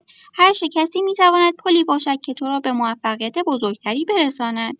هر شکستی می‌تواند پلی باشد که تو را به موفقیت بزرگ‌تری برساند.